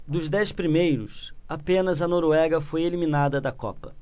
dos dez primeiros apenas a noruega foi eliminada da copa